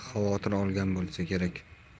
xavotir olgan bo'lsa kerak